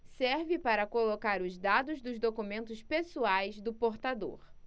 serve para colocar os dados dos documentos pessoais do portador